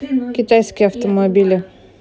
китайские автомобили